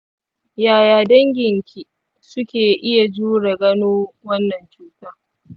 yaya dangin ki suke iya jure gano wannan cutan?